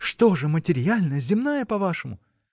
– Что же – материальная, земная, по-вашему?